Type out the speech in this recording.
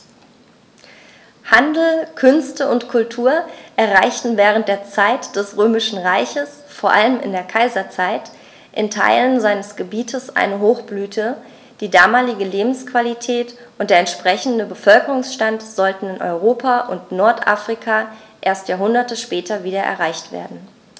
Handel, Künste und Kultur erreichten während der Zeit des Römischen Reiches, vor allem in der Kaiserzeit, in Teilen seines Gebietes eine Hochblüte, die damalige Lebensqualität und der entsprechende Bevölkerungsstand sollten in Europa und Nordafrika erst Jahrhunderte später wieder erreicht werden.